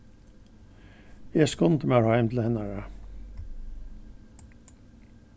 eg skundi mær heim til hennara